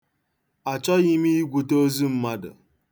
Achọghị m igwute ozu mmadụ.